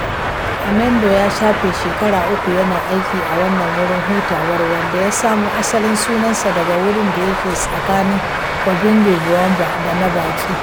Amendo ya shafe shekara uku yana aiki a wannan wurin hutawar, wanda ya samo asalin sunansa daga wurin da yake tsakanin kogin Boumba da na Bek.